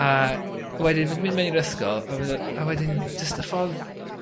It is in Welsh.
a wedyn myn' mynd mewn i'r ysgol a fydd e... A wedyn jyst y ffordd